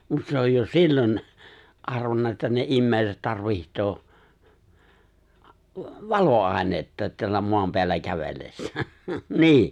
mutta se on jo silloin arvannut että ne ihmiset tarvitsee valoainetta täällä maan päällä kävellessään niin